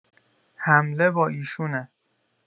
حمله با ایشونه